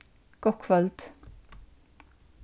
gott kvøld